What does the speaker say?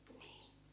niin